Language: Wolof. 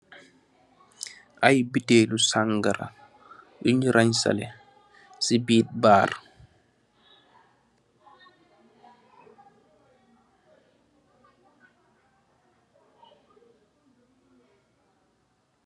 Aye botelu sagara yunu ransele se birr barr.